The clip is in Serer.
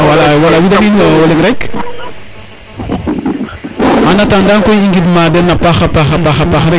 wala wida in o leŋ rek en attendant koy i gind ma dena a paxa paxa paax parce que